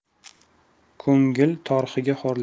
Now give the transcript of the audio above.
ko'ngil torhgi xorlik